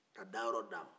ka da yɔrɔ d'a ma